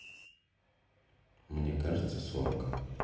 мне кажется сорок